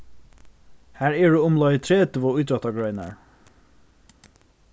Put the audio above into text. har eru umleið tretivu ítróttagreinar